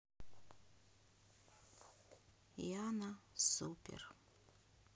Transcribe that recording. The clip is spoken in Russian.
яна супер